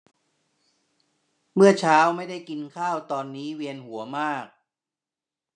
เมื่อเช้าไม่ได้กินข้าวตอนนี้เวียนหัวมาก